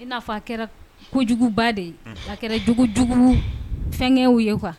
I'a fɔ a kɛra kojuguba de ye a kɛra jugu jugu fɛnkɛw ye kuwa